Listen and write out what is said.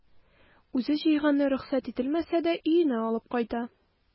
Үзе җыйганны рөхсәт ителмәсә дә өенә алып кайта.